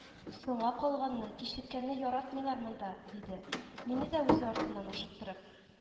— соңга калганны, кичеккәнне яратмыйлар монда, — диде, мине дә үз артыннан ашыктырып